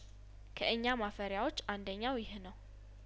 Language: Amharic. ከእኛ ማፈሪያዎች አንደኛው ይህ ነው